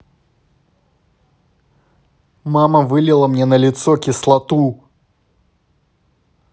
мама вылила мне на лицо кислоту